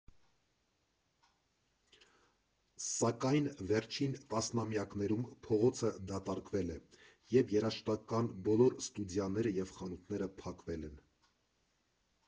Սակայն վերջին տասնամյակներում փողոցը դատարկվել է, և երաժշտական բոլոր ստուդիաները և խանութները փակվել են։